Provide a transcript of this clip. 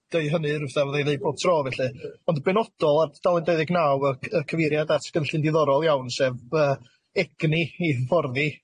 D'eu hynny fatha fyddai'n ddeud bob tro felly. Ond yn benodol ar dudalen dau ddeg naw, y c- y cyfeiriad at gynllun diddorol iawn sef By, egni i hyfforddi.